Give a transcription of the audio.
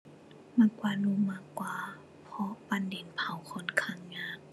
มักวาดรูปมากกว่า เพราะปั้นดินเผาค่อนข้างยาก